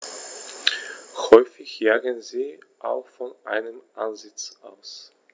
Häufig jagen sie auch von einem Ansitz aus.